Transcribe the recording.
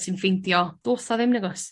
ti'n ffeindio do's 'na ddim nagos?